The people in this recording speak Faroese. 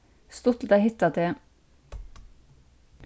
stuttligt at hitta teg